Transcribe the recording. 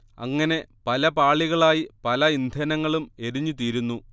അങ്ങനെ പല പാളികളായി പല ഇന്ധനങ്ങളും എരിഞ്ഞുതീരുന്നു